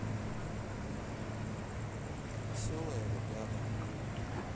веселые ребята фильм